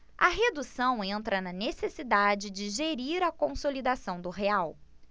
a redução entra na necessidade de gerir a consolidação do real